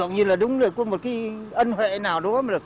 tưởng như là đúng là có một cái ân huệ nào đó